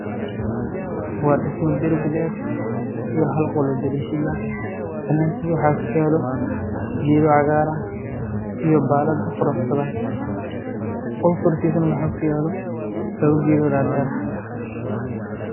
Waa guri dhismo banaanka waxaa ku yaala geedo cagaar